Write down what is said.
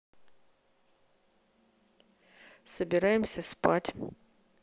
собираемся спать